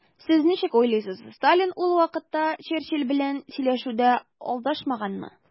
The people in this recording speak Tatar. Сез ничек уйлыйсыз, Сталин ул вакытта Черчилль белән сөйләшүдә алдашмаганмы?